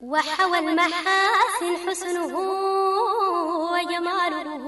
Wa wakumadu